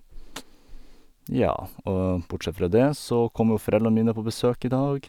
Ja, og bortsett fra det så kommer jo foreldrene mine på besøk i dag.